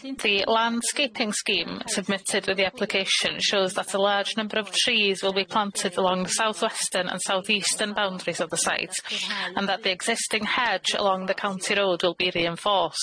The landscaping scheme submitted with the application shows that a large number of trees will be planted along the southwestern and southeastern boundaries of the site, and that the existing hedge along the county road will be reinforced.